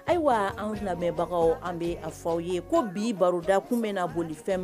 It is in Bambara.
Ayiwa an lamɛnbagaw an bɛ a fɔ aw ye, ko bi baroda kun bɛna boli fɛn min